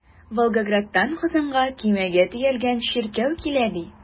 Волгоградтан Казанга көймәгә төялгән чиркәү килә, ди.